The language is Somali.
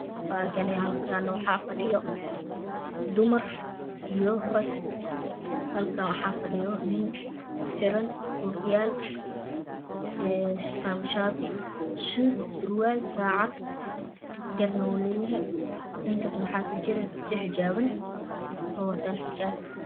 Waakane halkaani waxa fadhiyo dumar iyo rag halkan waxa fadhiyo nin xiran o kiyaal shati suud surwaal sacad garna wu leeyahy dhan kaas waxa kajira gabdho xijaban